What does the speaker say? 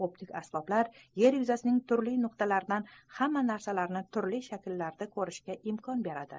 optik asboblar yer yuzasining turli nuqtalaridan hamma narsalarni turli shakllarda ko'rsatib turibdi